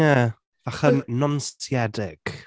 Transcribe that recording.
Ie, bach yn nonsiedig.